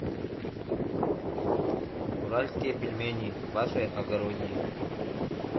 уральские пельмени ваше огородие